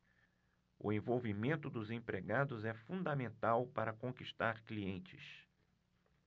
o envolvimento dos empregados é fundamental para conquistar clientes